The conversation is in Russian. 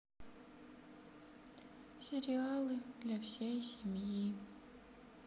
сериалы для всей семьи